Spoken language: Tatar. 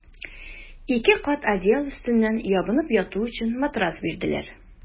Ике кат одеял өстеннән ябынып яту өчен матрас бирделәр.